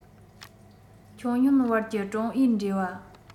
ཁྱོན ཡོངས བར གྱི ཀྲུང ཨའི འབྲེལ བ